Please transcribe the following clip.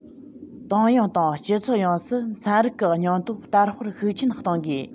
ཏང ཡོངས དང སྤྱི ཚོགས ཡོངས སུ ཚན རིག གི སྙིང སྟོབས དར སྤེལ ཤུགས ཆེན གཏོང དགོས